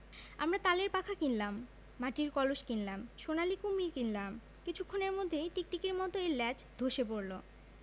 আমরা তালের পাখা কিনলাম মার্টির কলস কিনলাম সোলার কুমীর কিনলীম কিছুক্ষণের মধ্যেই টিকটিকির মত এর ল্যাজ ধসে পড়ল